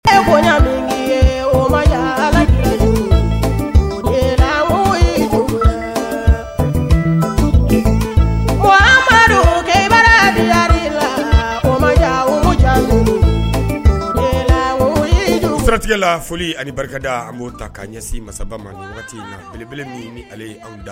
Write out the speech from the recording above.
Ba la siratigɛ la foli ani barikada an' ta ka ɲɛsin masa mabele ninnu ni ale da